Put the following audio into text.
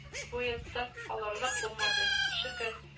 Буе тын алырлык булмады, шөкер